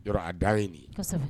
Yɔrɔ a dan ye ni ye? Kosɛbɛ